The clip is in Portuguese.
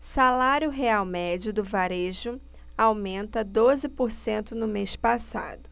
salário real médio do varejo aumenta doze por cento no mês passado